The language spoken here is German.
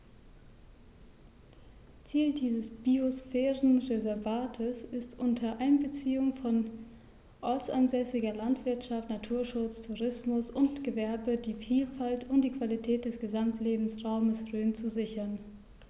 Ziel dieses Biosphärenreservates ist, unter Einbeziehung von ortsansässiger Landwirtschaft, Naturschutz, Tourismus und Gewerbe die Vielfalt und die Qualität des Gesamtlebensraumes Rhön zu sichern.